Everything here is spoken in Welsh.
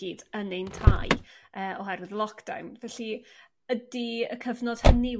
gyd yn ein tai yrr oherwydd lock-down felly ydi y cyfnod hynny